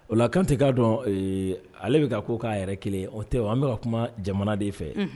O la Kante k'a dɔn ale bɛ ka ko k'a yɛrɛ kelen ye o tɛ wo an bɛ ka kuma jamana de fɛ